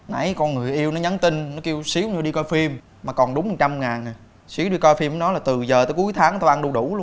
nãy con người yêu nó nhắn tin nó kêu xíu nữa đi coi phim mà còn đúng một trăm ngàn hà xíu đi coi phim với nó là từ giờ tới cuối tháng tao ăn đu đủ luôn